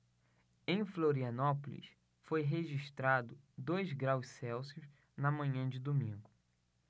em florianópolis foi registrado dois graus celsius na manhã de domingo